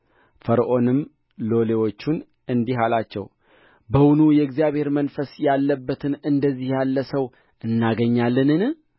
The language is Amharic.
ፈርዖንም ሎሌዎቹን እንዲህ አላቸው በውኑ የእግዚአብሔር መንፈስ ያለበትን እንደዚህ ያለ ሰው እናገኛለንን